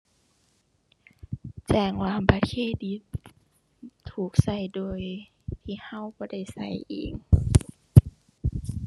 แจ้งว่าบัตรเครดิตถูกใช้โดยที่ใช้บ่ได้ใช้เอง